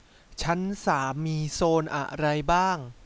ชั้นสามมีโซนอะไรบ้าง